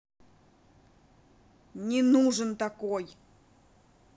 не нужен такой